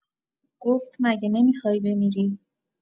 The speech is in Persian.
گفت مگه نمیخوای بمیری؟